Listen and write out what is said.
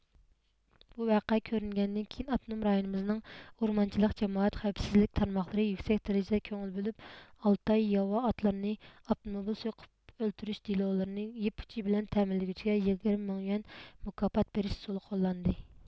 بۇ ۋەقە كۆرۈلگەندىن كېيىن ئاپتونوم رايونىمىزنىڭ ئورمانچىلىق جامائەت خەۋپسىزلىك تارماقلىرى يۈكسەك دەرىجىدە كۆڭۈل بۆلۈپ ئالتاي ياۋا ئاتلىرىنى ئاپتوموبىل سوقۇپ ئۆلتۈرۈش دېلولىرىنى يىپ ئۇچى بىلەن تەمىنلىگۈچىگە يىگىرمە مىڭ يۈەن مۇكاپات بېرىش ئۇسولى قوللاندى